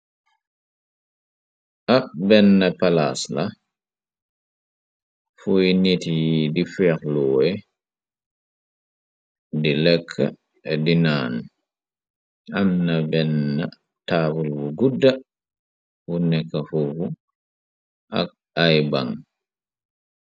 Ak benn palaas la, fuy nit yi di feex lowe, di lekk, dinaan, amna benn taabul bu gudda, bu nekk fuufu, ak aibang.